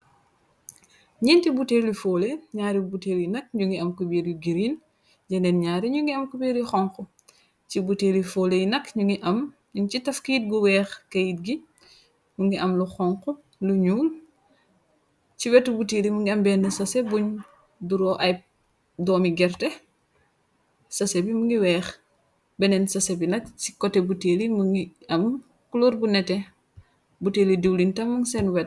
Nyenti butelu foole ñaaru buteel yi nak ñu ngi am kubiir yu girin yeneen ñaare ñu ngi am kubier yu xonk ci buteel y foole y nak ngi am ñum ci tafkeyit bu weex keyt gi mu ngi am lu xo lu ñuu ci wetu buteel yi mu ngi ambeenn sosé buñ duroo ay doomi gerte sosé bi mu ngi weex beneen sasé bi nag ci kote buteel yi mu ngi am klóor bu nete buteeli diwlintam mung seen wet.